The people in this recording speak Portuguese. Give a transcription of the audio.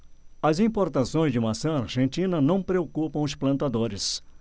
as importações de maçã argentina não preocupam os plantadores